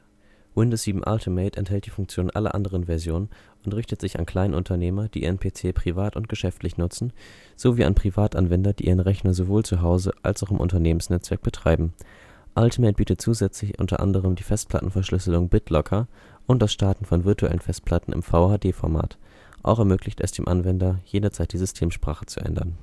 Windows 7 Ultimate enthält die Funktionen aller anderen Versionen und richtet sich an Kleinunternehmer, die ihren PC privat und geschäftlich nutzen, sowie an Privatanwender, die ihren Rechner sowohl zu Hause als auch im Unternehmensnetzwerk betreiben. Ultimate bietet zusätzlich unter anderem die Festplattenverschlüsselung BitLocker und das Starten von virtuellen Festplatten im VHD-Format. Auch ermöglicht es dem Anwender, jederzeit die Systemsprache zu ändern